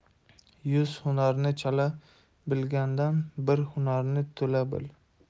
yuz hunarni chala bilgandan bir hunarni to'la bil